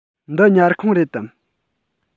འདི ཉལ ཁང རེད དམ